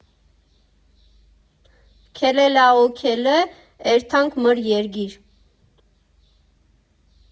Քելե, լաո, քելե, էրթանք մըր էրգիր։